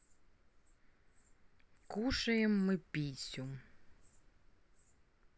кушаем мы писю